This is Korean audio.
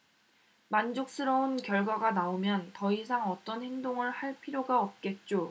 만족스러운 결과가 나오면 더 이상 어떤 행동을 할 필요가 없겠죠